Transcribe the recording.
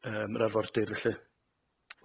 ar yym yr arfordir felly.